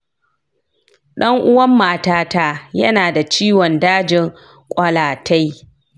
ɗan-uwan matata ya na da ciwon dajin ƙwalatai